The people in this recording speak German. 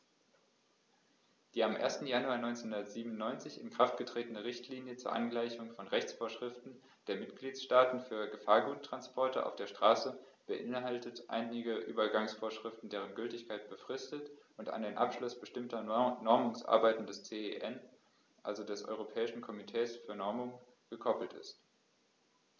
Die am 1. Januar 1997 in Kraft getretene Richtlinie zur Angleichung von Rechtsvorschriften der Mitgliedstaaten für Gefahrguttransporte auf der Straße beinhaltet einige Übergangsvorschriften, deren Gültigkeit befristet und an den Abschluss bestimmter Normungsarbeiten des CEN, also des Europäischen Komitees für Normung, gekoppelt ist.